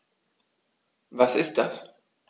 Was ist das?